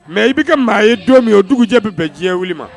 Mais i bɛ kɛ maa ye don min o dugu jɛ bɛ bɛn diɲɛ wili ma!